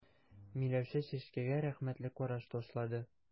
Миләүшә Чәчкәгә рәхмәтле караш ташлады.